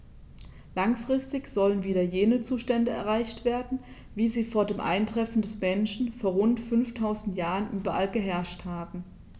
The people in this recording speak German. Langfristig sollen wieder jene Zustände erreicht werden, wie sie vor dem Eintreffen des Menschen vor rund 5000 Jahren überall geherrscht haben.